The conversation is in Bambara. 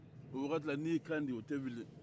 o wagati n'e y'i kan di o tɛ wuli